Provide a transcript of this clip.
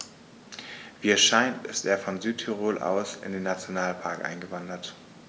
Wie es scheint, ist er von Südtirol aus in den Nationalpark eingewandert.